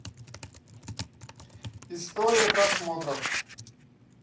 история просмотров